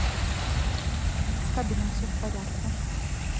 с кабелем все в порядке